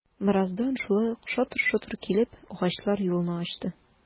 Бераздан шулай ук шатыр-шотыр килеп, агачлар юлны ачты...